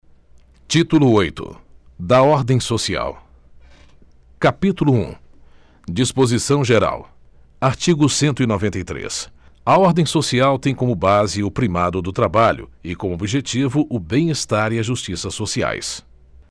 título oito da ordem social capítulo um disposição geral artigo cento e noventa e três a ordem social tem como base o primado do trabalho e como objetivo o bem estar e a justiça sociais